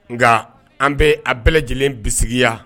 Nka an bɛ a bɛɛ lajɛlen bisisigiya